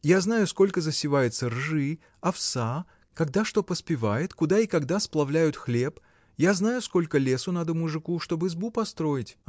Я знаю, сколько засевается ржи, овса, когда что поспевает, куда и когда сплавляют хлеб, знаю, сколько лесу надо мужику, чтоб избу построить.